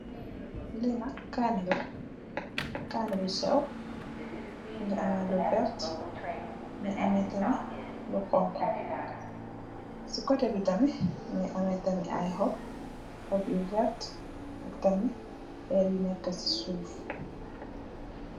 Li nak kani la kani bu sew mongi ame lu vert mongi ame tamit lu xonxa si kote bi tamit mongi ame tam ay xoop xoop yu wertax ak tamit ay lu neka si suuf.